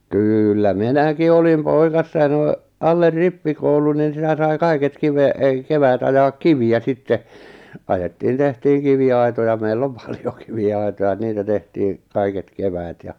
kyllä minäkin olin poikasena ja noin alle rippikoulun niin sitä sai kaiket -- keväät ajaa kiviä sitten ajettiin tehtiin kiviaitoja meillä on paljon kiviaitoja niitä tehtiin kaiket keväät ja